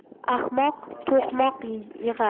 ahmoq to'qmoq yig'ar